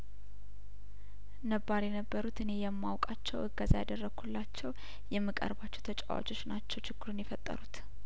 ነባር የነበሩት እኔ የማውቃቸው እገዛ ያደረኩላቸው የም ቀርባቸው ተጫዋቾች ናቸው ችግሩን የፈጠሩት